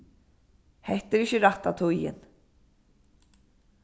hetta er ikki rætta tíðin